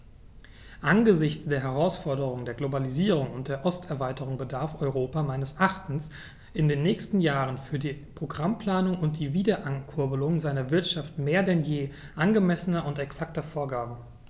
Angesichts der Herausforderung der Globalisierung und der Osterweiterung bedarf Europa meines Erachtens in den nächsten Jahren für die Programmplanung und die Wiederankurbelung seiner Wirtschaft mehr denn je angemessener und exakter Vorgaben.